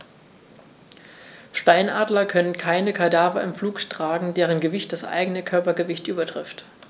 Steinadler können keine Kadaver im Flug tragen, deren Gewicht das eigene Körpergewicht übertrifft.